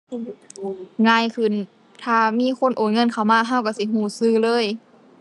ง่ายขึ้น ถ้ามีคนโอนเงินเข้ามาเราเราสิเราเราเลย